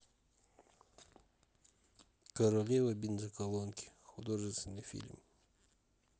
королева бензоколонки художественный фильм